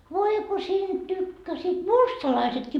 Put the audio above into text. voi kun siitä tykkäsivät mustalaisetkin